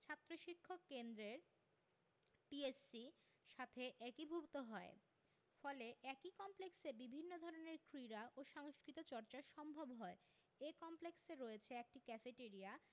ছাত্র শিক্ষক কেন্দ্রের টিএসসি সাথে একীভূত হয় ফলে একই কমপ্লেক্সে বিভিন্ন ধরনের ক্রীড়া ও সংস্কৃতি চর্চা সম্ভব হয় এ কমপ্লেক্সে রয়েছে একটি ক্যাফেটরিয়া